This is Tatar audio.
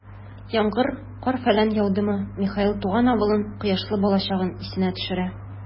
Яңгыр, кар-фәлән яудымы, Михаил туган авылын, кояшлы балачагын исенә төшерә.